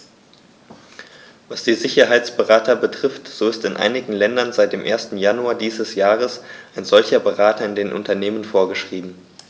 Was die Sicherheitsberater betrifft, so ist in einigen Ländern seit dem 1. Januar dieses Jahres ein solcher Berater in den Unternehmen vorgeschrieben.